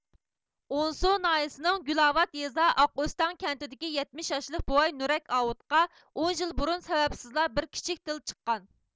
ئونسۇ ناھىيىسىنىڭ گۈلاۋات يېزا ئاقئۆستەڭ كەنتىدىكى يەتمىش ياشلىق بوۋاي نۇرەك ئاۋۇتقا ئون يىل بۇرۇن سەۋەبسىزلا بىر كىچىك تىل چىققان